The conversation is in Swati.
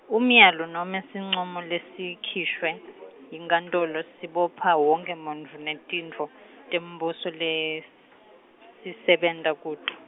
umyalo nome sincumo lesikhishwe, yinkantolo sibopha wonkhe umuntfu netintfo, tembuso lesisebenta kuto.